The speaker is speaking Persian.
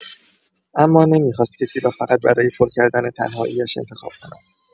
اما نمی‌خواست کسی را فقط برای پر کردن تنهایی‌اش انتخاب کند.